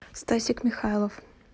стасик михайлов